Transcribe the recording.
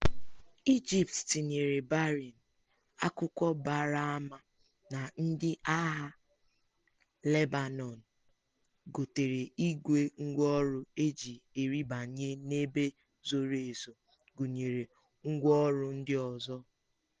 Egypt tinyere Bahrain, akwụkwọ gbara ama na ndị Agha Lebanon gotere igwe ngwaọrụ eji arịbanye n'ebe zoro ezo gụnyere ngwaọrụ ndị ọzọ.